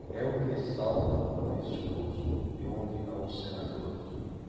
é o que salta do discurso de ontem aos senadores